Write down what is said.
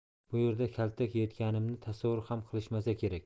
bu yerda kaltak yeyayotganimni tasavvur ham qilishmasa kerak